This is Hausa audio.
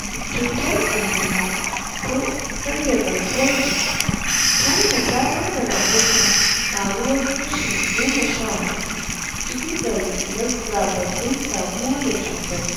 CUTAR ƘANJAMAU/Karya garkuwar jiki: China ta ba da rahoton ƙaruwar kashi 14 cikin ɗari na sababbin kamuwa da cutar